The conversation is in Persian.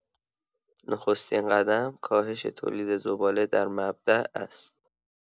نخستین قدم، کاهش تولید زباله در مبدا است.